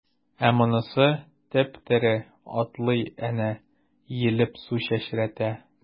Ә монысы— теп-тере, атлый әнә, иелеп су чәчрәтә.